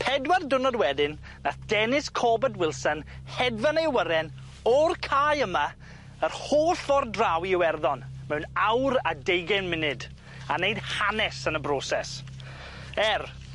Pedwar diwrnod wedyn nath Dennis Corbet Wilson hedfan ei wyren o'r cae yma yr holl ffor draw i Iwerddon mewn awr a deugen munud a neud hanes yn y broses. Er,